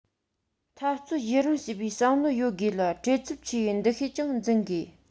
འཐབ རྩོད ཡུན རིང བྱེད པའི བསམ བློ ཡོད དགོས ལ བྲེལ འཚུབ ཆེ བའི འདུ ཤེས ཀྱང འཛིན དགོས